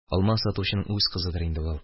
Алма сатучының үз кызыдыр инде ул